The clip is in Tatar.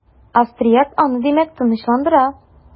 Австрияк аны димәк, тынычландыра.